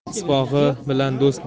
sipohi bilan do'st